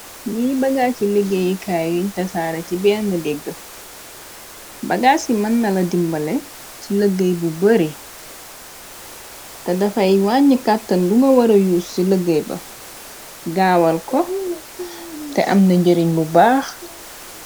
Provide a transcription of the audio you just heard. Li bagaasi ligéeyi kaay yuñ tasaare ci benna dëkk bagaas si mën nala dimbale ci lëggay bu bari te dafay wàññ kàttan du nga wara yuus ci lëggay ba gaawal ko te am na njërin bu baax.